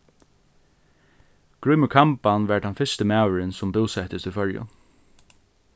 grímur kamban var tann fyrsti maðurin sum búsettist í føroyum